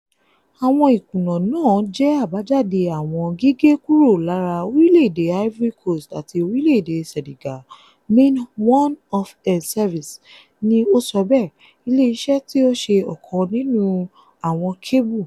Àwọn ìkùnà náà jẹ́ àbájáde àwọn gígé kúrò lára orílẹ̀ èdè Ivory Coast àti orílẹ̀ èdè Senegal, Main One Service ni ó sọ bẹ́ẹ̀, ilé iṣẹ́ tí ó ṣe ọkàn nínú àwọn kébù.